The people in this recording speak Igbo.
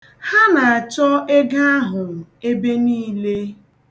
Ha na-achọ ego ahụ ebe niile.